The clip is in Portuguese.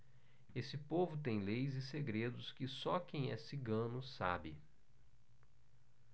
esse povo tem leis e segredos que só quem é cigano sabe